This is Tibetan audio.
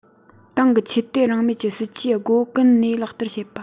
ཏང གི ཆོས དད རང མོས ཀྱི སྲིད ཇུས སྒོ ཀུན ནས ལག བསྟར བྱེད པ